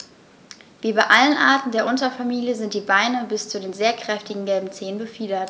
Wie bei allen Arten der Unterfamilie sind die Beine bis zu den sehr kräftigen gelben Zehen befiedert.